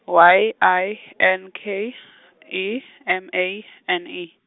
Y I, N K, E, M A, N E.